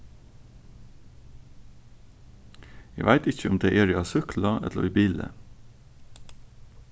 eg veit ikki um tey eru á súkklu ella í bili